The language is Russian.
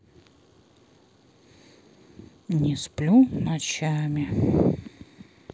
не сплю ночами